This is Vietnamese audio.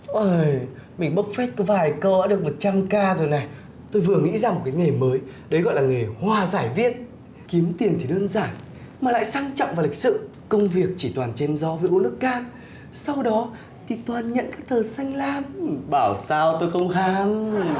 uầy mình bốc phét có vài câu đã được một trăm ca rồi này tôi vừa nghĩ ra cái nghề mới đấy gọi là nghề hòa giải viên kiếm tiền thì đơn giản mà lại sang trọng và lịch sự công việc chỉ toàn chém gió với uống nước cam sau đó thì toàn nhận các tờ xanh lam bảo sao tôi không ham